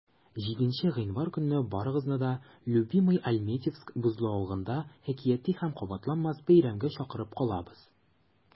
7 гыйнвар көнне барыгызны да "любимыйальметьевск" бозлавыгына әкияти һәм кабатланмас бәйрәмгә чакырып калабыз!